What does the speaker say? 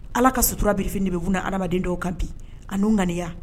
Allah ka sutura birifani de bɛ bun adama den dɔw kunna bi ani n'u ŋaniya.